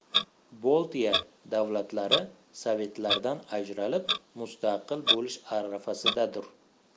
boltiya davlatlari sovetlardan ajralib mustaqil bo'lish arafasidadir